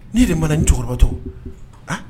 Ne de mana cɛkɔrɔbatɔ